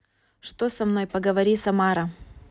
что со мной поговори самара